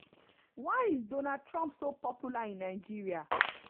Why is Donald Trump so popular in Nigeria?